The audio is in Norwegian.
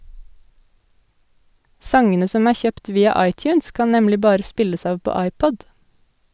Sangene som er kjøpt via iTunes, kan nemlig bare spilles av på iPod.